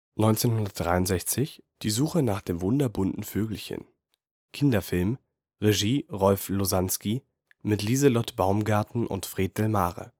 1963: Die Suche nach dem wunderbunten Vögelchen (Kinderfilm, Regie: Rolf Losansky; mit Lieselott Baumgarten und Fred Delmare